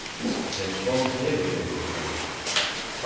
at james bond hevur verið í føroyum